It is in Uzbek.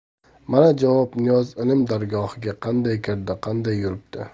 mana javob niyoz ilm dargohiga qanday kirdi qanday yuribdi